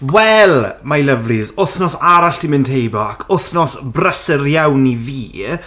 Wel! My lovelies. Wythnos arall 'di mynd heibio, ac wythnos brysur iawn i fi.